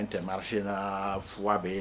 Tɛmasen na f bɛ yen